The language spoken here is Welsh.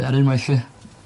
Be' ar unwaith 'lly?